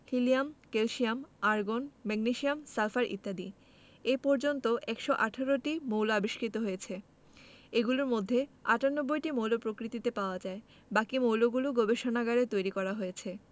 helium calcium argon magnesium sulphur ইত্যাদি এ পর্যন্ত 118টি মৌল আবিষ্কৃত হয়েছে এগুলোর মধ্যে 98টি মৌল প্রকৃতিতে পাওয়া যায় বাকি মৌলগুলো গবেষণাগারে তৈরি করা হয়েছে